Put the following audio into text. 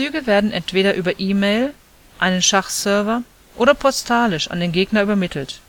werden entweder über E-Mail, einen Schachserver oder postalisch an den Gegner übermittelt